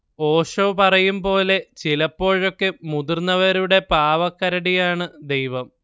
ഓഷോ പറയും പോലെ, ചിലപ്പോഴൊക്കെ മുതിർന്നവരുടെ പാവക്കരടിയാണ് ദൈവം